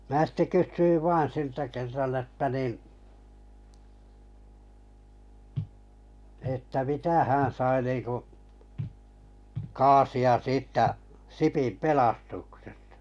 minä sitten kysyin vain siltä kerran että niin että mitä hän sai niin kuin kaasia siitä Sipin pelastuksesta